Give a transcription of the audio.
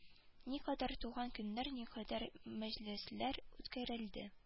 Никадәр туган көннәр никадәр мәҗлесләр үткәрелде